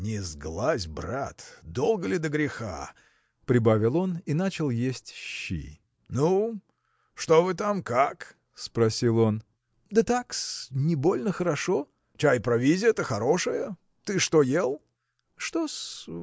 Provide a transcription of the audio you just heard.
– Не сглазь, брат: долго ли до греха? – прибавил он и начал есть щи. – Ну что вы там, как? – спросил он. – Да так-с: не больно хорошо. – Чай, провизия-то хорошая? Ты что ел? – Что-с?